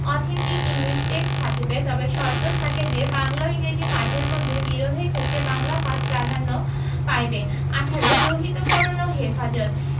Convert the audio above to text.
authentic English text থাকিবে তবে শর্ত থাকে যে বাংলা ও ইংরেজী পাঠের মধ্যে বিরোধের ক্ষেত্রে বাংলা পাঠ প্রাধান্য পাইবে ১৮ রহিতকরণ ও হেফাজতঃ